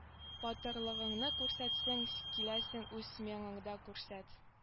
Батырлыгыңны күрсәтсең с киләсең үз сменаңда күрсәт